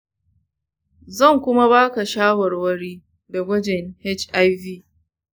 zan kuma ba ka shawarwari da gwajin hiv.